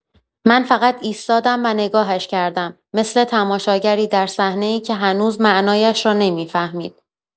من فقط ایستادم و نگاهش کردم، مثل تماشاگری در صحنه‌ای که هنوز معنایش را نمی‌فهمید.